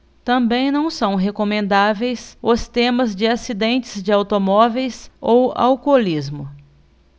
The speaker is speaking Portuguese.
também não são recomendáveis os temas de acidentes de automóveis ou alcoolismo